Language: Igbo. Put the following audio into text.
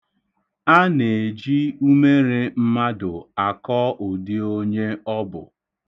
A na-eji umere mmadụ akọ ụdị onye ọ bụ.